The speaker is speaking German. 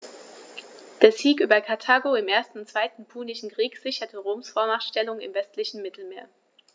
Der Sieg über Karthago im 1. und 2. Punischen Krieg sicherte Roms Vormachtstellung im westlichen Mittelmeer.